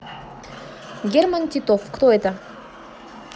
герман титов кто это